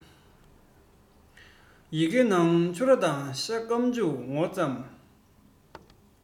ཡི གེའི ནང ཕྱུར ར དང ཤ སྐམ ལྕུག འོ རྩམ